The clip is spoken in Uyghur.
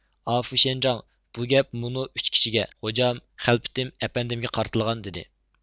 ئا فۇشيەنجاڭ بۇ گەپ مۇنۇ ئۈچ كىشىگە غوجام خەلپىتىم ئەپەندىمگە قارىتىلغان دىدى